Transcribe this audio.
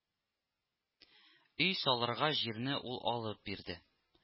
Өй салырга җирне ул алып бирде